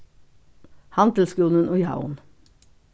handilsskúlin í havn